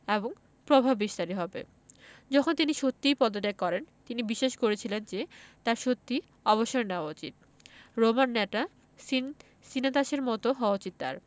এবং প্রভাববিস্তারী হবে যখন তিনি সত্যিই পদত্যাগ করেন তিনি বিশ্বাস করেছিলেন যে তাঁর সত্যিই অবসর নেওয়া উচিত রোমান নেতা সিনসিনাটাসের মতো হওয়া উচিত তাঁর